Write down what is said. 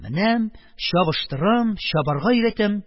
Менәм, чабыштырам, чабарга өйрәтәм,